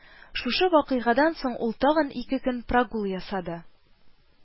Шушы вакыйгадан соң ул тагын ике көн прогул ясады